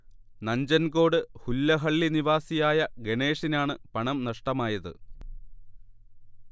നഞ്ചൻകോട് ഹുല്ലഹള്ളി നിവാസിയായ ഗണേഷിനാണ് പണം നഷ്ടമായത്